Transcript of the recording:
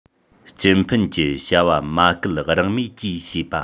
སྤྱི ཕན གྱི བྱ བ མ བསྐུལ རང མོས ཀྱིས བྱེད པ